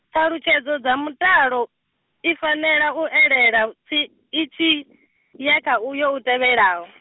ṱhalutshedzo dza mutalo, i fanela u elela tshi i tshiya, kha uyo u tevhelaho .